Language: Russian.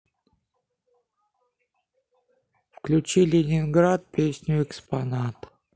включи ленинград песню экспонат